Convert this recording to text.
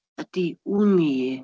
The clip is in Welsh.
Ydy, wn i.